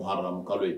O hara ye